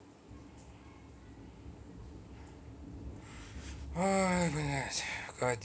кади